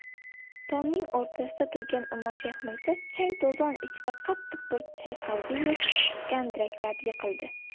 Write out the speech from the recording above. tomning o'rtasida turgan umarshayx mirzo chang to'zon ichida qattiq bir chayqaldi yu gandiraklab yiqildi